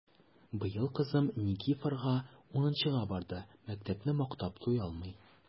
Быел кызым Никифарга унынчыга барды— мәктәпне мактап туялмый!